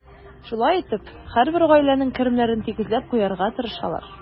Шулай итеп, һәрбер гаиләнең керемнәрен тигезләп куярга тырышалар.